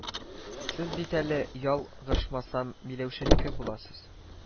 Сез бит әле, ял-гышмасам, Миләүшәнеке буласыз